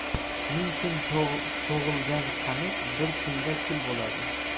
ming kun to'qilgan qamish bir kunda kul bo'ladi